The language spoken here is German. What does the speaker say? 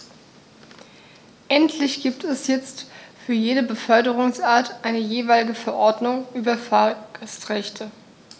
Endlich gibt es jetzt für jede Beförderungsart eine jeweilige Verordnung über Fahrgastrechte.